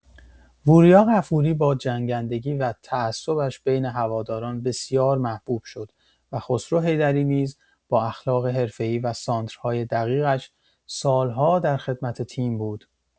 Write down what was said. وریا غفوری با جنگندگی و تعصبش بین هواداران بسیار محبوب شد و خسرو حیدری نیز با اخلاق حرفه‌ای و سانترهای دقیقش سال‌ها در خدمت تیم بود.